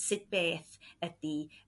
sut beth ydi